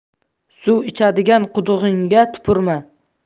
suv ichadigan qudug'ingga tupurma